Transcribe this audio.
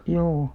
juu